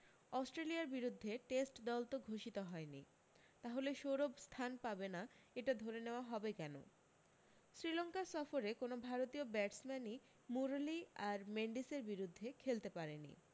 অস্ট্রেলিয়ার বিরুদ্ধে টেস্ট দল তো ঘোষিত হয়নি তা হলে সৌরভ স্থান পাবে না এটা ধরে নেওয়া হবে কেন শ্রীলঙ্কা সফরে কোনো ভারতীয় ব্যাটসম্যান ই মুরলী আর মেন্ডিসের বিরুদ্ধে খেলতে পারেনি